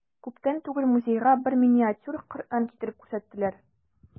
Күптән түгел музейга бер миниатюр Коръән китереп күрсәттеләр.